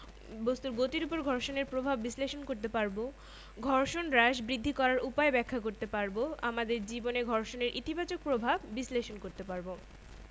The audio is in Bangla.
গ্লাসের উপর একটা কার্ড রেখে কার্ডের উপর একটা ধাতব মুদ্রা রেখে কার্ডটিকে টোকা দিয়ে সরিয়ে দাও মুদ্রাটি গ্লাসের ভেতর পড়বে কেন